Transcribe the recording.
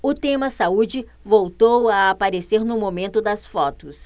o tema saúde voltou a aparecer no momento das fotos